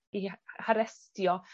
i a- harestio